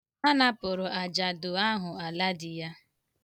A napụrụ ajadu ahụ ala di ya.